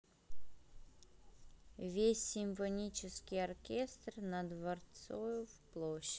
весь симфонический оркестр на дворцовой площади